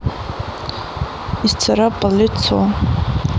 исцарапал лицо